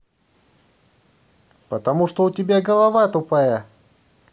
потому что у тебя голова тупая